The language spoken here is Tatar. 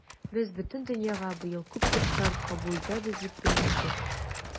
Без бөтен дөньяга быел күп туристлар кабул итәбез дип белдердек.